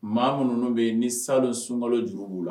Maa minnu bɛ yen ni salo sunka juru b'u la